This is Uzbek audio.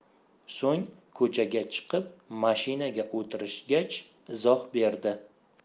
so'ng ko'chaga chiqib mashinaga o'tirishgach izoh berdi